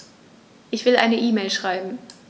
Ich will eine E-Mail schreiben.